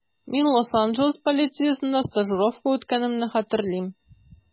Мин Лос-Анджелес полициясендә стажировка үткәнемне хәтерлим.